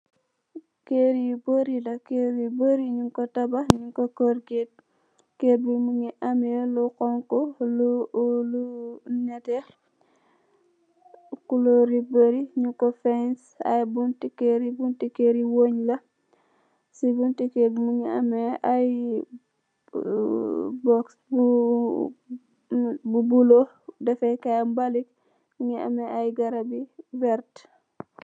Kerr yu bari la, kerr yu bari nung kor tabakh, nung kor corrgate, kerr bii mungy ameh lu honhu, lu ou lu nehteh, couleur yu bari njung kor fence aiiy bunti kerri, bunti kerr yii weungh la, cii bunti kerr bii mungy ameh bu bleu, defeh kai mbalit, mungy ameh lu vert.